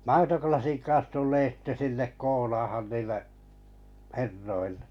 maitolasin kanssa tulee sitten sinne koolaamaan niille herroille